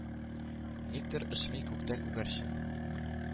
Никтер очмый күктә күгәрчен,